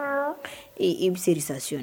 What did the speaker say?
Allo ee, i bɛ se recitation na.